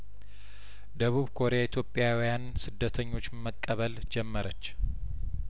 ደቡብ ኮሪያ ኢትዮጵያውያን ስደተኞችን መቀበል ጀመረች